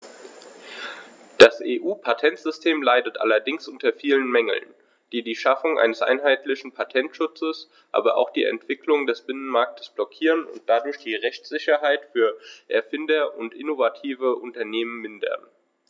Das EU-Patentsystem leidet allerdings unter vielen Mängeln, die die Schaffung eines einheitlichen Patentschutzes, aber auch die Entwicklung des Binnenmarktes blockieren und dadurch die Rechtssicherheit für Erfinder und innovative Unternehmen mindern.